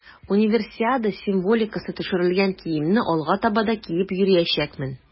Универсиада символикасы төшерелгән киемне алга таба да киеп йөриячәкмен.